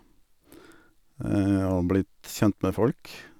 Og blitt kjent med folk.